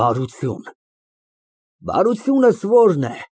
Բարություն։ Բարությո՞ւնս որն է։